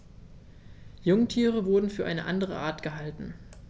Jungtiere wurden für eine andere Art gehalten.